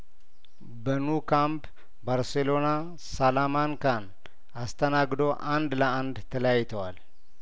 በኑ ካምፕ ባርሴሎና ሳላማንካን አስተናግዶ አንድ ለአንድ ተለያይተዋል